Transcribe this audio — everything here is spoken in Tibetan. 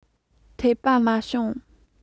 འཐད པ མ བྱུང